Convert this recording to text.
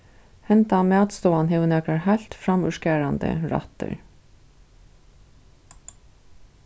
henda matstovan hevur nakrar heilt framúrskarandi rættir